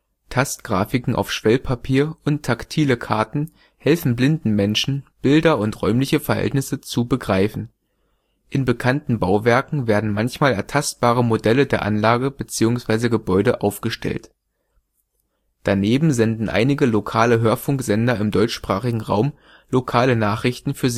Tastgrafiken auf Schwellpapier und Taktile Karten helfen blinden Menschen, Bilder und räumliche Verhältnisse zu „ begreifen “. In bekannten Bauwerken werden manchmal ertastbare Modelle der Anlage bzw. Gebäude aufgestellt. Daneben senden einige lokale Hörfunksender im deutschsprachigen Raum lokale Nachrichten für